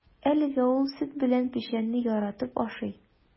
Әлегә ул сөт белән печәнне яратып ашый.